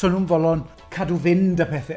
So nhw'n fodlon cadw fynd a pethe.